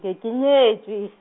ke ke nyetšwe.